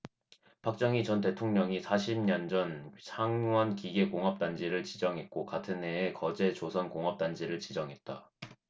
박정희 전 대통령이 사십 년전 창원기계공업단지를 지정했고 같은해에 거제에 조선공업단지를 지정했다